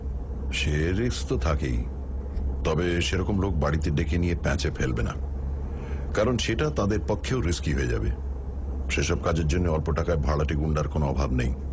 সে risk তো থাকেই তবে সেরকম লোক বাড়িতে ডেকে নিয়ে প্যাঁচে ফেলবে না কারণ সেটা তাদের পক্ষেও রিসকি হয়ে যাবে সে সব কাজের জন্য অল্প টাকায় ভাড়াটে গুণ্ডার কোনও অভাব নেই